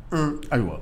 Un ayiwa